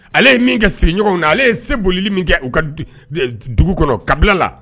Ale ye min ka seginɲɔgɔnw na ale ye se bolili min kɛ u ka dugu kɔnɔ kabila la